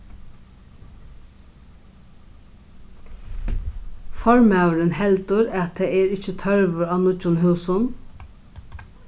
formaðurin heldur at tað er ikki tørvur á nýggjum húsum